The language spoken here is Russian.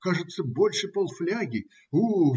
Кажется, больше полфляги. О!